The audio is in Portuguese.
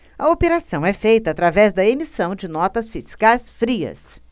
a operação é feita através da emissão de notas fiscais frias